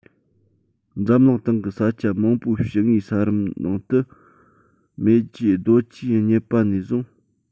འཛམ གླིང སྟེང གི ས ཆ མང པོའི ཕྱི ངོས ས རིམ ནང དུ མེ ཆའི རྡོ ཆས རྙེད པ ནས བཟུང